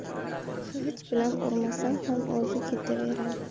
xivich bilan urmasam ham o'zi ketaveradi